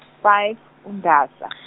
five uNdasa .